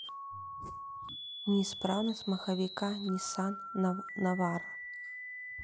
неисправность моховика ниссан наварро